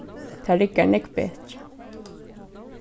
tað riggar nógv betri